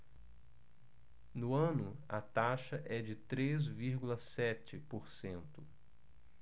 no ano a taxa é de três vírgula sete por cento